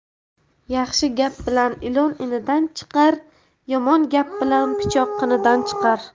yaxshi gap bilan ilon inidan chiqar yomon gap bilan pichoq qinidan chiqar